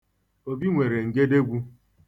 Obi nwere ngedegwu.